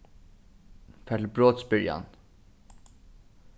far til brotsbyrjan